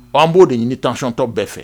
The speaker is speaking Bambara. An b'o de ɲini tɔncɔntɔ bɛɛ fɛ